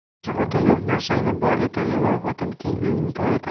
yaxshi xotin yo'q narsangni bor etar yomon xotin keng uyingni tor etar